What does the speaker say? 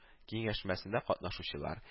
Киңәшмәсендә катнашучылар